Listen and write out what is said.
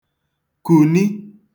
kùni